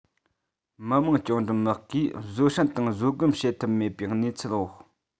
མི དམངས བཅིངས འགྲོལ དམག གིས བཟོད བསྲན དང བཟོད སྒོམ བྱེད ཐབས མེད པའི གནས ཚུལ འོག